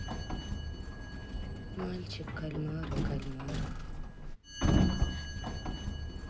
мальчик кальмары кальмары